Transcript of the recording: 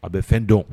A bɛ fɛn dɔn